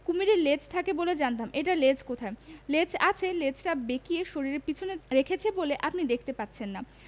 কুমীরের লেজ থাকে বলে জানতাম এটার লেজ কোথায় লেজ আছে লেজটা বেঁকিয়ে শরীরের পেছনে রেখেছে বলে আপনি দেখতে পাচ্ছেন না